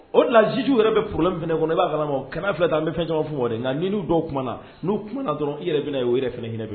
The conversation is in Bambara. O lajijuw yɛrɛ bɛ foro minɛ kɔnɔ ne b'ama kɛnɛ filɛ tan an bɛ fɛn caman fɔ wɛrɛ de nka n dɔw kuma na n'uumana dɔrɔn i yɛrɛ bɛna yen o yɛrɛ fana hinɛ